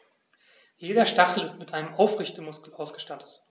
Jeder Stachel ist mit einem Aufrichtemuskel ausgestattet.